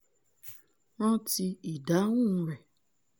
'Ránti ìdáhùn rẹ̀?